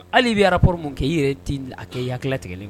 Hali bɛ arapo mun kɛ' yɛrɛ t a kɛ ha tigɛli